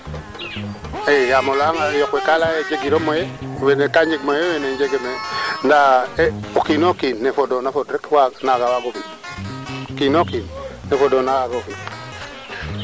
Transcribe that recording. c' est vrai a naaga jega mi feeke ga'oona ga inooraam mene ret inoram ren xumna sartes bo cafandak reto xena nik machine es pour te waago xen soom